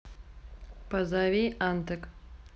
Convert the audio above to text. позови антек